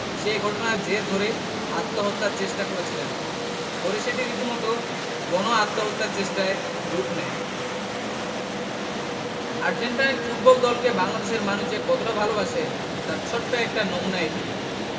সে ঘটনার জের ধরে আত্মহত্যার চেষ্টা করেছিলেন পরে সেটি রীতিমতো গণ আত্মহত্যার চেষ্টায় রূপ নেয় আর্জেন্টাইন ফুটবল দলকে বাংলাদেশের মানুষ যে কতটা ভালোবাসে তার ছোট্ট একটা নমুনা এটি